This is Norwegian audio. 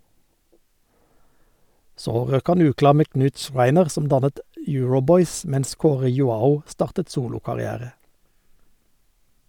Så røk han uklar med Knut Schreiner, som dannet Euroboys, mens Kåre Joao startet solokarriere.